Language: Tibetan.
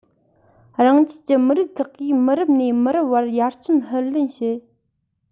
རང རྒྱལ གྱི མི རིགས ཁག གིས མི རབས ནས མི རབས བར ཡར བརྩོན ལྷུར ལེན བྱེད